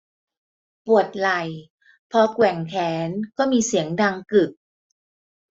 ปวดไหล่พอแกว่งแขนก็มีเสียงดังกึก